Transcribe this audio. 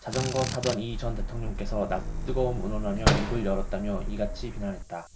자전거 타던 이 전 대통령께서 낯 뜨거움 운운하며 입을 열었다며 이같이 비난했다